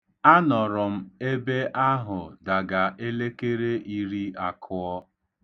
Anọrọ m ebe ahụ daga elekere iri akụọ.